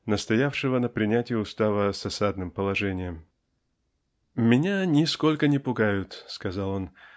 настоявшего на принятии устава с осадным положением. "Меня нисколько не пугают -- сказал он